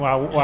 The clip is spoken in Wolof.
wor